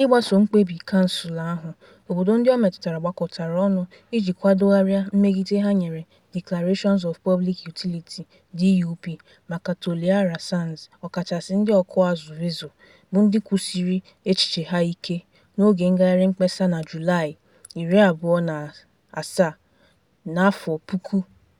N'ịgbaso mkpebi [Kansụl] ahụ, obodo ndị o metụtara gbakọtara ọnụ iji kwadogharịa mmegide ha nyere Declarations of Public Utility (DUP) maka Toliara Sands, ọkachasị ndị ọkụazụ Vezo, bụ ndị kwusiri echiche ha ike… n'oge ngagharị mkpesa na Julaị 27,